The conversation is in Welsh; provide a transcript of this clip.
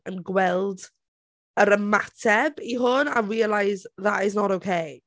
yn gweld, yr ymateb i hwn, a realise that it's not okay.